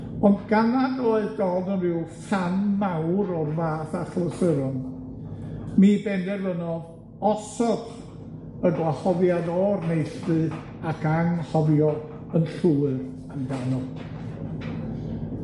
Ond gan nad oedd Dodd yn ryw ffan mawr o'r fath achlysuron, mi benderfynodd osod y gwahoddiad o'r neilltu ac anghofio yn llwyr amdano.